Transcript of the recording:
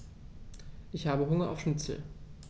Ich habe Hunger auf Schnitzel.